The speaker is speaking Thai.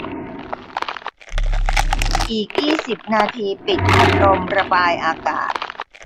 อีกยี่สิบนาทีปิดพัดลมระบายอากาศ